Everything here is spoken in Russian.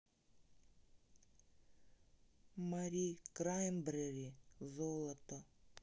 мари краймбрери золото